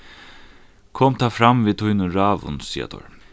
kom tá fram við tínum ráðum siga teir